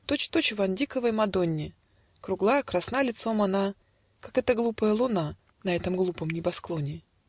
Точь-в-точь в Вандиковой Мадоне: Кругла, красна лицом она, Как эта глупая луна На этом глупом небосклоне".